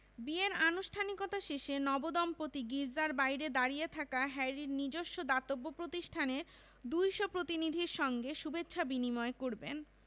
বিয়ের আনুষ্ঠানিকতা শেষে নবদম্পতি গির্জার বাইরে দাঁড়িয়ে থাকা হ্যারির নিজস্ব দাতব্য প্রতিষ্ঠানের ২০০ প্রতিনিধির সঙ্গে শুভেচ্ছা বিনিময় করবেন